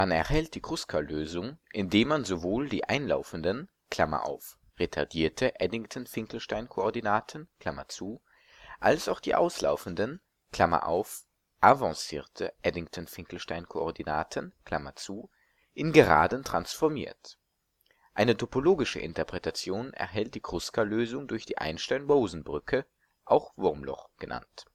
erhält die Kruskal-Lösung, indem man sowohl die einlaufenden (retardierte Eddington-Finkelstein-Koordinaten) als auch die auslaufenden (avancierte Eddington-Finkelstein-Koordinaten) in Geraden transformiert. Eine topologische Interpretation erhält die Kruskal-Lösung durch die Einstein-Rosen-Brücke - auch Wurmloch genannt